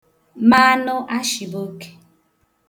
manụ ashịbokē